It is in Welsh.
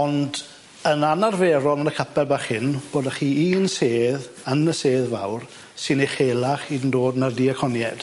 Ond yn anarferol yn y capel bach hyn bo' 'dach chi un sedd yn y sedd fawr sy'n uchelach hyd yn 'dod na'r diaconied.